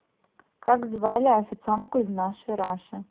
как звали официантку из нашей раши